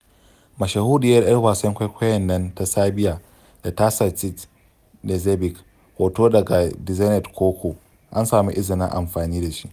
Mashahuriyar 'yar wasan kwaikwayon nan ta Serbia Natasa Tsic Knezeɓic, hoto daga Dzenet Koko, an samu izinin amfani da shi.